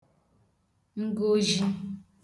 ngozhi